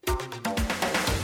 San